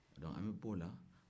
ɔ an bɛ t'o la